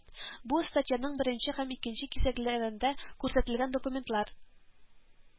Бу статьяның беренче һәм икенче кисәкләрендә күрсәтелгән документлар